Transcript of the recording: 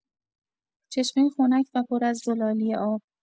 چشمه خنک و پر از زلالی آب